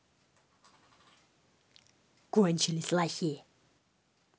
кончились лохи